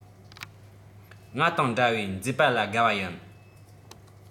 ང དང འདྲ བའི མཛེས པ ལ དགའ བ ཡིན